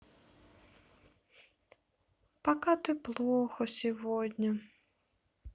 пока ты плохо сегодня